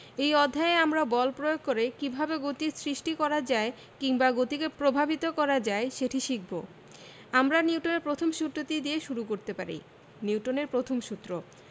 এই অধ্যায়ে আমরা বল প্রয়োগ করে কীভাবে গতির সৃষ্টি করা যায় কিংবা গতিকে প্রভাবিত করা যায় সেটি শিখব আমরা নিউটনের প্রথম সূত্রটি দিয়ে শুরু করতে পারি নিউটনের প্রথম সূত্র